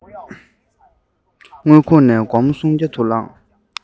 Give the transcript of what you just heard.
ཤིང ཕོར ས ལ བཞག དུས ཇ རྫོགས འདུག